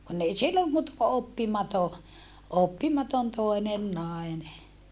kun ei silloin muuta kuin oppimaton oppimaton toinen nainen